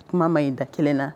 Kuma ma ɲi da kelen na